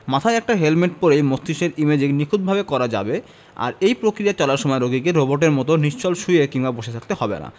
মাথায় একটা হেলমেট পরেই মস্তিষ্কের ইমেজিং নিখুঁতভাবে করা যাবে আর এই প্রক্রিয়া চলার সময় রোগীকে রোবটের মতো নিশ্চল শুয়ে কিংবা বসে থাকতে হবে না